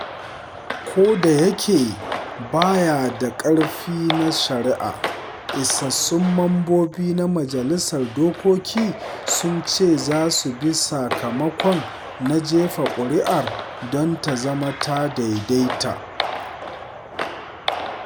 Kodayake ba ya da ƙarfi na shari’a, isassun mambobi na majalisar dokoki sun ce za su bi sakamako na jefa kuri’ar don ta zama ta daidaita.